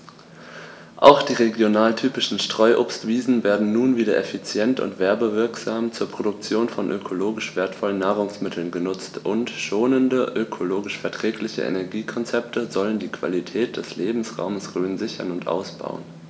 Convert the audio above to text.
Auch die regionaltypischen Streuobstwiesen werden nun wieder effizient und werbewirksam zur Produktion von ökologisch wertvollen Nahrungsmitteln genutzt, und schonende, ökologisch verträgliche Energiekonzepte sollen die Qualität des Lebensraumes Rhön sichern und ausbauen.